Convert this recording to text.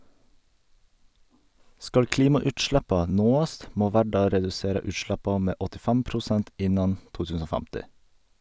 Skal klimautsleppa nåast, må verda redusera utsleppa med 85 prosent innan 2050.